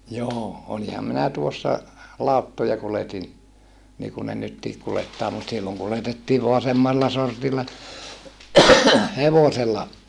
joo olinhan minä tuossa lauttoja kuljetin niin kuin ne nytkin kuljettaa mutta silloin kuljetettiin vain semmalla sortilla hevosella -